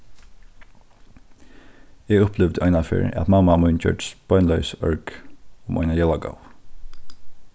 eg upplivdi einaferð at mamma mín gjørdist beinleiðis ørg um eina jólagávu